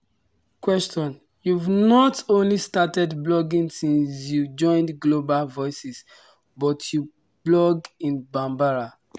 Q: You've not only started blogging since you joined Global Voices, but you blog in Bambara!